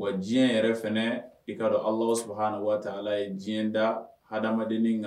Wa diɲɛ yɛrɛ fana, i ka dɔn Ala subahana watala ye diɲɛ da hadamadennin ka